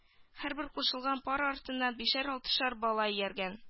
Һәрбер кушылган пар артыннан бишәр-алтышар бала ияргән